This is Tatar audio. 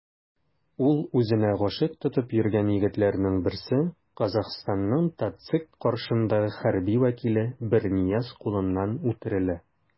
Ул үзенә гашыйк тотып йөргән егетләрнең берсе - Казахстанның ТатЦИК каршындагы хәрби вәкиле Бернияз кулыннан үтерелә.